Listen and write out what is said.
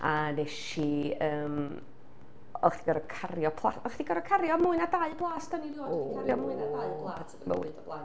A wnes i, yym, oeddach chdi'n goro cario pla- oeddach chdi'n goro cario mwy na dau blât, do'n i rioed wedi cario mwy 'na dau blât yn 'y mywyd o blaen.